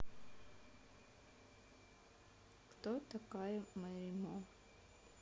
кто такая mary moore